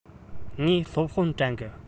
ངས སློབ དཔོན དྲན གི